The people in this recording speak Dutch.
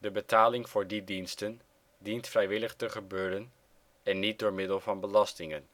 betaling voor die diensten dient vrijwillig te gebeuren en niet door middel van belastingen